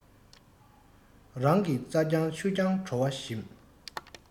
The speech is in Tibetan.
རང གི རྩ རྐྱང ཆུ རྐྱང བྲོ བ ཞིམ